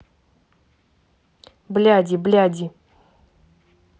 бляди бляди